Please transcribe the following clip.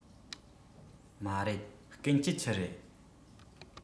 མ རེད གན སྐྱིད ཆུ རེད